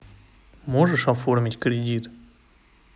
можешь оформить кредит